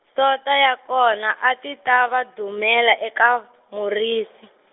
Sonto ya kona a ti ta va dumela eka Murizi-.